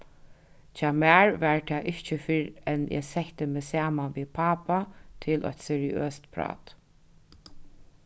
hjá mær var tað ikki fyrr enn eg setti meg saman við pápa til eitt seriøst prát